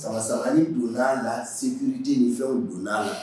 Sansa donna a la segududen nin fɛn o donna a la